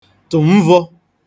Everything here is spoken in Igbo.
tụ̀ mvọ̄